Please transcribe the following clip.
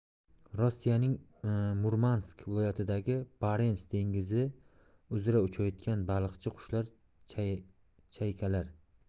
rossiyaning murmansk viloyatidagi barens dengizi uzra uchayotgan baliqchi qushlar chaykalar